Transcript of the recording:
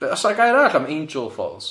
Be- o's 'na gair arall am Angel Falls?